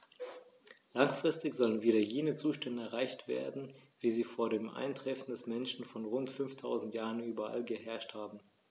Langfristig sollen wieder jene Zustände erreicht werden, wie sie vor dem Eintreffen des Menschen vor rund 5000 Jahren überall geherrscht haben.